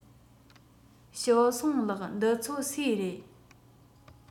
ཞའོ སུང ལགས འདི ཚོ སུའི རེད